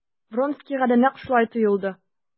Вронскийга да нәкъ шулай тоелды.